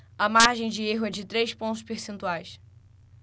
a margem de erro é de três pontos percentuais